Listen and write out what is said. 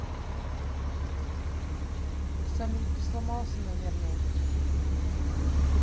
салют ты сломался наверное